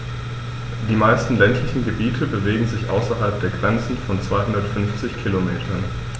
Die meisten ländlichen Gebiete bewegen sich außerhalb der Grenze von 250 Kilometern.